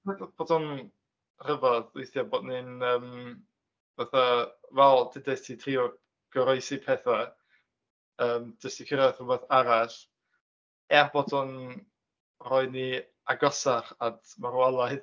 Ti'n meddwl bod o'n rhyfedd weithiau bod ni'n yym fatha fel dudais ti trio goroesi pethau yym jyst i cyrraedd rhywbeth arall, er bod o'n rhoi ni agosach at marwolaeth?